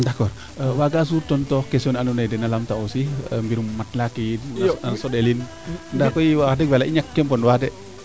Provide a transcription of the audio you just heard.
d' accord waaga suur tontoox ke ando anye dena laam ta aussi mbirum matelas ke yiin sondeliin nda koy wax deg fa yala a ñakee mbonwa de